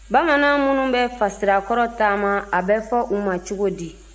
bamanan minnu bɛ fasirakɔrɔ taama a bɛ fɔ u ma cogo di